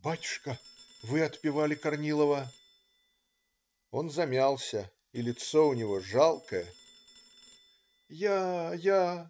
"Батюшка, вы отпевали Корнилова?" Он замялся, и лицо у него жалкое. "Я. я.